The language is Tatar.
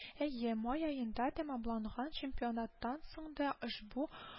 Әйе, май аенда тәмамланган чемпионаттан соң да ошбу